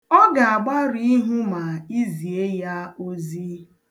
Ọ ga-agbarụ ihu ma i zie ya ozi.